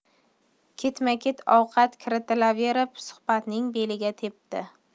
ketma ket ovqat kiritilaverib suhbatning beliga tepdi